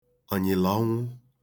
ọ̀nyị̀lị̀ ọnwụ